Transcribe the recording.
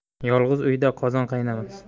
yolg'iz uyda qozon qaynamas